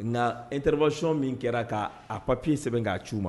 Nka e terireyon min kɛra k'a papiy in sɛbɛn k'a' ma